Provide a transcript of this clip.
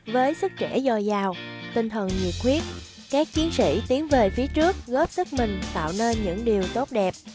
với sức trẻ dồi dào tinh thần nhiệt huyết các chiến sĩ tiến về phía trước góp sức mình tạo nên những điều tốt đẹp